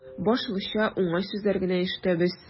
Башлыча, уңай сүзләр генә ишетәбез.